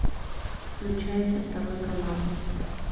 включайся второй канал